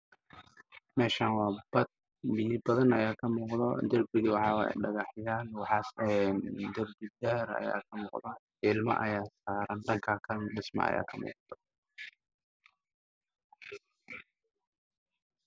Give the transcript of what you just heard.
Meeshan waa bad waxaa ii muuqda niman taagan banaanka badda midabkeedu waa biyaha buluug guryo ayaa ka dambeeya